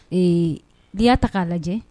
Ee n'i y'a ta k'a lajɛ